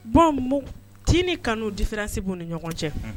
Baw tinin kanu difiransi ni ɲɔgɔn cɛ